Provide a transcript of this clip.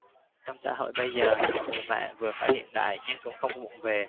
trong xã hội bây giờ một người mẹ vừa phải hiện đại nhưng cũng không vụng về